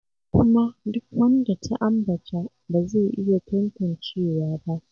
""Kuma duk wanda ta ambata ba zai iya tantancewa ba."